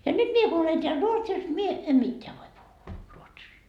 ja nyt minä kun olen täällä Ruotsissa minä en mitään voi puhua ruotsia